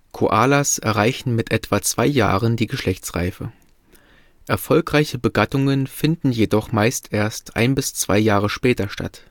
Koalas erreichen mit etwa zwei Jahren die Geschlechtsreife. Erfolgreiche Begattungen finden jedoch meist erst ein bis zwei Jahre später statt